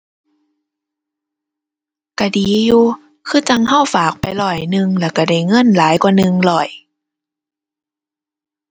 ก็ดีอยู่ คือจั่งก็ฝากไปร้อยหนึ่งแล้วก็ได้เงินหลายกว่าหนึ่งร้อย